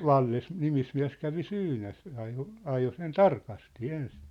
no - nimismies kävi syynäsi ajoi ajoi sen tarkasti ensin